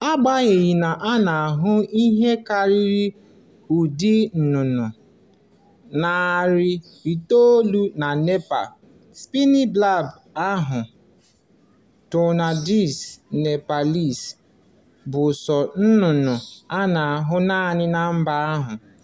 Agbanyeghị na a na-ahụ ihe kariri ụdị nnụnnụ 800 na Nepal, Spiny Babbler ahụ (Turdoides nipalensis) bụ sọ nnụnnụ a na-ahụ naanị na mba ahu.